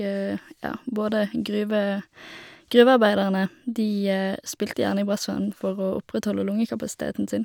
Ja, både gruve gruvearbeiderne, de spilte gjerne i brassband for å opprettholde lungekapasiteten sin.